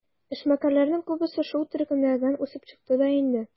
Эшмәкәрләрнең күбесе шул төркемнәрдән үсеп чыкты да инде.